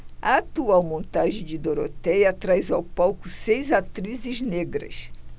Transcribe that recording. a atual montagem de dorotéia traz ao palco seis atrizes negras